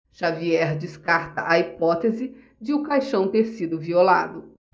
xavier descarta a hipótese de o caixão ter sido violado